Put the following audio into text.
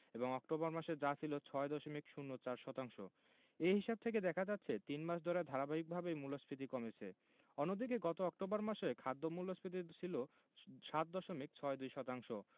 এবং অক্টোবর মাসে ছিল ৬ দশমিক ০৪ শতাংশ এ হিসাব থেকে দেখা যাচ্ছে তিন মাস ধরে ধারাবাহিকভাবেই মূল্যস্ফীতি কমেছে অন্যদিকে গত অক্টোবর মাসে খাদ্য মূল্যস্ফীতি ছিল ৭ দশমিক ৬২ শতাংশ